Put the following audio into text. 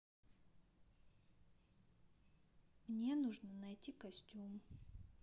мне нужно найти костюм